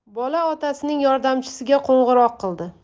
bola otasining yordamchisiga qo'ng'iroq qildi